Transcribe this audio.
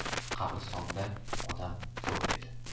qabristonda odam ko'p edi